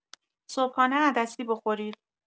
صبحانه عدسی بخورید!